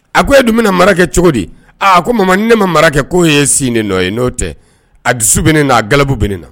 A ko e dun bɛna na mara kɛ cogo di a ko mama ne ma marakɛ ko ye sini nin nɔ ye n'o tɛ a dusu bɛ na a gabu bɛ na